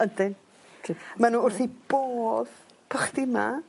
Ydyn. 'Ce. ma' n'w wrth 'u bodd bo' chdi 'ma